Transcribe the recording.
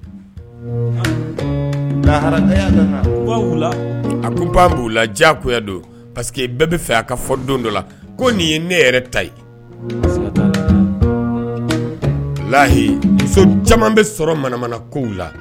A ko la paseke bɛɛ bɛ fɛ a ka fɔ don dɔ la ko nin ye ne yɛrɛ ta ye layi muso caman bɛ sɔrɔ manamana ko la